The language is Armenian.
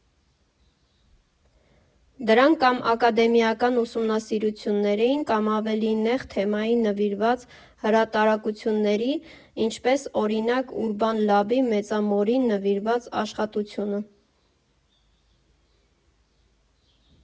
Դրանք կամ ակադեմիական ուսումնասիրություններ էին, կամ ավելի նեղ թեմայի նվիրված հրատարակություններ, ինչպես, օրինակ՝ ուրբանլաբի՝ Մեծամորին նվիրված աշխատությունը։